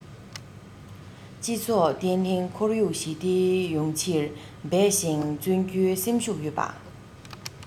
སྤྱི ཚོགས བརྟན ལྷིང ཁོར ཡུག ཞི བདེ ཡོང ཕྱིར འབད ཅིང བརྩོན རྒྱུའི སེམས ཤུགས ཡོད པ